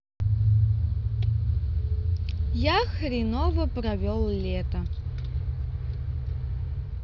я хреново провел лето